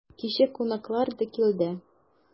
Кичә кунаклар да килде.